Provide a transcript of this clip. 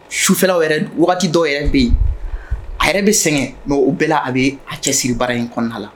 Sufɛlaw wagati dɔw yɛrɛ bɛ yen a yɛrɛ bɛ sɛgɛn mɛ u bɛɛ a bɛ a cɛsiri bara in kɔnɔna la